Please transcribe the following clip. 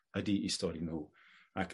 ydi 'u stori nhw, ac